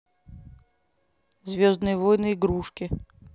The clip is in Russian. звездные войны игрушки